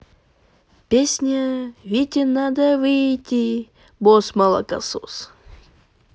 песня вите надо выйти босс молокосос